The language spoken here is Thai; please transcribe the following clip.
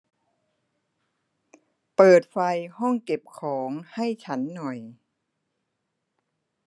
เปิดไฟห้องเก็บของให้ฉันหน่อย